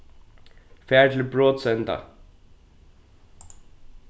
far til brotsenda